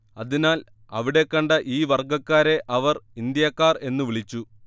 അതിനാൽ അവിടെ കണ്ട ഈ വർഗ്ഗക്കാരെ അവർ ഇന്ത്യക്കാർ എന്ന് വിളിച്ചു